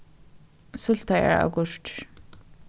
súltaðar agurkir